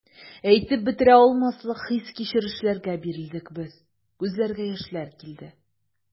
Әйтеп бетерә алмаслык хис-кичерешләргә бирелдек без, күзләргә яшьләр килде.